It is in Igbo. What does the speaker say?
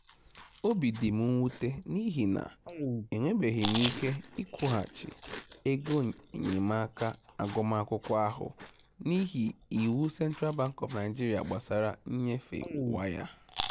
Obi di mụ mwute n'ihi na enwebeghị m ike ịkwụghachi egoenyemaaka agụmakwụkwọ ahụ n'ihi iwu Central Bank of Nigeria gbasara nnyefe waya.